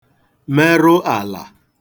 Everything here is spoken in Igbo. merụ àlà